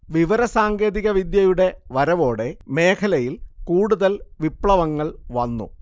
വിവരസാങ്കേതികവിദ്യയുടെ വരവോടെ മേഖലയിൽ കൂടുതൽ വിപ്ലവങ്ങൾ വന്നു